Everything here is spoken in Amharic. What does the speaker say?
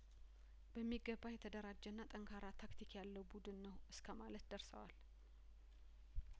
በሚገባ የተደራጀና ጠንካራ ታክቲክ ያለው ቡድን ነው እስከማለት ደርሰዋል